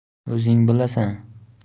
o'zing bilasan